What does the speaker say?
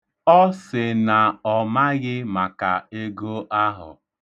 Ọ si na ọ maghị maka ego ahụ.